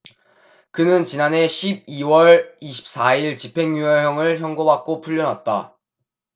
그는 지난해 십 이 월 이십 사 일 집행유예형을 선고받고 풀려났다